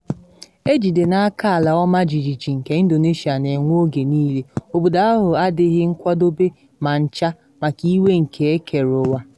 Ejide n’aka ala ọmajijiji nke Indonesia na enwe oge niile, obodo ahụ adịghị nkwadobe ma ncha maka iwe nke ekereụwa.